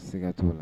Sigla t'o la.